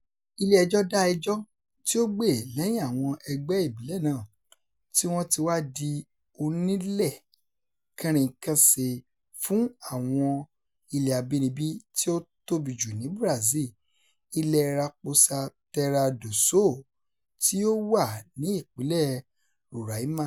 Ilé ẹjọ́ dá ẹjọ́ tí ó gbè lẹ́yìn àwọn ẹgbẹ́ ìbílẹ̀ náà tí wọ́n ti wá di òǹnilẹ̀ kánrin-kése fún àwọn ilẹ̀ abínibí tí ó tóbi jù ní Brazil — ilẹ̀ẹ Raposa Terra do Sol, tí ó wà ní ìpínlẹ̀ Roraima.